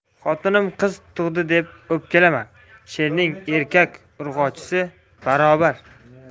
xotinim qiz tug'di deb o'pkalama sherning erkak urg'ochisi barobar